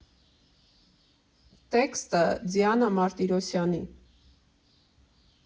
Տեքստը՝ Դիանա Մարտիրոսյանի։